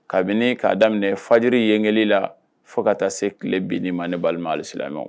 Kabini k'a daminɛ fajiri yen kelen la fo ka taa se tile bin ma ne balimamu ali sira ma